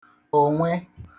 ònwe